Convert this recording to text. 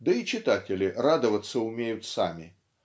да и читатели радоваться умеют сами.